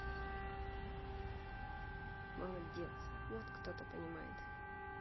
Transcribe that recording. молодец вот кто то понимает